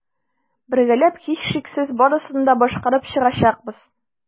Бергәләп, һичшиксез, барысын да башкарып чыгачакбыз.